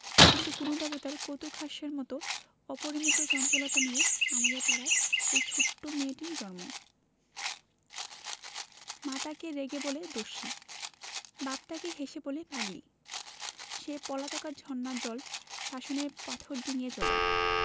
কিন্তু কোন দেবতার কৌতূকহাস্যের মত অপরিমিত চঞ্চলতা নিয়ে আমাদের পাড়ায় ঐ ছোট মেয়েটির জন্ম মা তাকে রেগে বলে দস্যি বাপ তাকে হেসে বলে পাগলি সে পলাতকা ঝরনার জল শাসনের পাথর ডিঙ্গিয়ে চলে